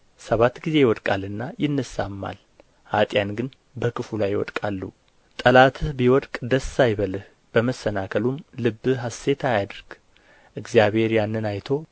ሰባት ጊዜ ይወድቃልና ይነሣማል ኀጥኣን ግን በክፉ ላይ ይወድቃሉ ጠላትህ ቢወድቅ ደስ አይበልህ በመሰናከሉም ልብህ ሐሤት አያድርግ እግዚአብሔር ያንን አይቶ